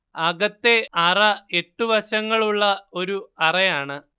അകത്തെ അറ എട്ട് വശങ്ങളുള്ള ഒരു അറയാണ്